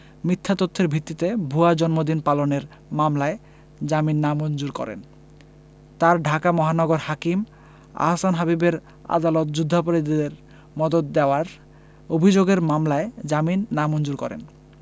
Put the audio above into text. মিথ্যা তথ্যের ভিত্তিতে ভুয়া জন্মদিন পালনের মামলায় জামিন নামঞ্জুর করেন আর ঢাকা মহানগর হাকিম আহসান হাবীবের আদালত যুদ্ধাপরাধীদের মদদ দেওয়ার অভিযোগের মামলায় জামিন নামঞ্জুর করেন